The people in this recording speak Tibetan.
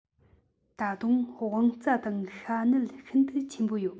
ད དུང དབང རྩ དང ཤ གནད ཤིན ཏུ ཆེན པོ ཡོད